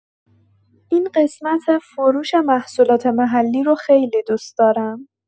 این قسمت فروش محصولات محلی رو خیلی دوست دارم.